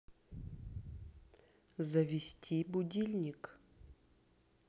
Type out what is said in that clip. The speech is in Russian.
завести будильник